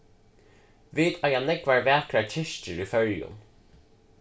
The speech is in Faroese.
vit eiga nógvar vakrar kirkjur í føroyum